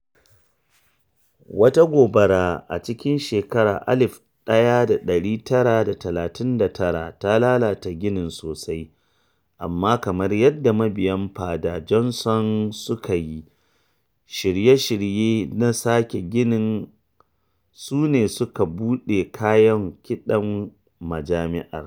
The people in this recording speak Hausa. Wata gobara a cikin shekarar 1939 ta lalata ginin sosai, amma kamar yadda mabiyan Fada Johnson suka yi shirye-shirye na sake ginin, su ne suka buɗe kayan kiɗan majami’ar.